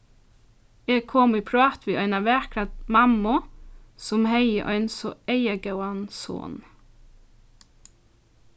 eg kom í prát við eina vakra mammu sum hevði ein so eygagóðan son